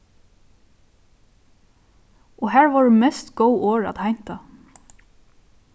og har vóru mest góð orð at heinta